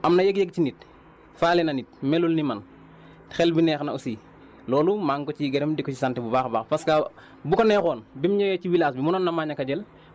man Fane saa yu ma xëyee damay bugg a roy ci moom parce que moom am na yëg-yëg ci nit faale na nit melul ni man xel mi neex na aussi loolu maa ngi ko ciy gërëm di ko si sant bu baax a baax